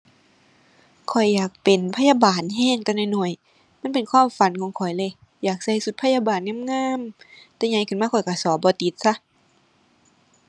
ข้อยอยากเป็นพยาบาลแรงแต่น้อยน้อย มันเป็นความฝันของข้อยเลย อยากใส่แรงพยาบาลงามงาม แต่ใหญ่ขึ้นมาข้อยแรงสอบบ่ติดซะ